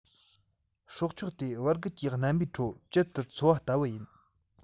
སྲོག ཆགས དེ བར བརྒལ གྱི རྣམ པའི ཁྲོད ཇི ལྟར འཚོ བ ལྟ བུ ཡིན